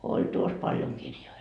oli tuossa paljon kirjoja